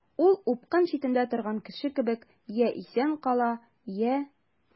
Ул упкын читендә торган кеше кебек— я исән кала, я...